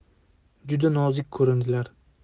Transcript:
juda nozik ko'rindilar